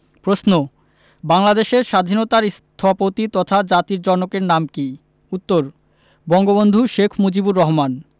প্রশ্ন বাংলাদেশের স্বাধীনতার স্থপতি তথা জাতির জনকের নাম কী উত্তর বঙ্গবন্ধু শেখ মুজিবুর রহমান